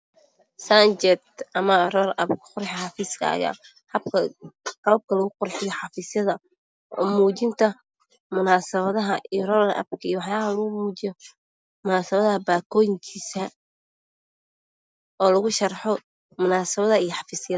Saanjab ama ababka lagu qurxiyo xafiisyada muujinta munasibadaha oo lagu Sharrxo munaasibadaha iyo xafiisyada